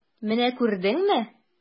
Менә күрдеңме!